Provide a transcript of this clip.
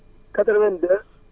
82